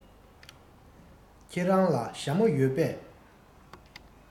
ཁྱེད རང ལ ཞྭ མོ ཡོད པས